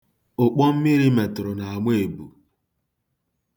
Ụkpọ mmiri metụrụ na-ama ebu.